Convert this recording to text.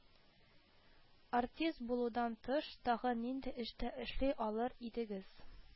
– артист булудан тыш, тагын нинди эштә эшли алыр идегез